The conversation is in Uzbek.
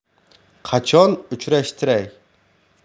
qachon uchrashtiray